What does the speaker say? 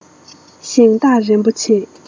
ཞིང བདག རིན པོ ཆེ